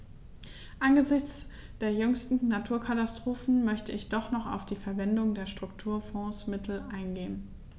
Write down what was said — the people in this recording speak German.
Angesichts der jüngsten Naturkatastrophen möchte ich doch noch auf die Verwendung der Strukturfondsmittel eingehen.